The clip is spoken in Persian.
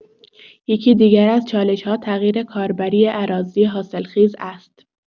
یکی دیگر از چالش‌ها، تغییر کاربری اراضی حاصلخیز است.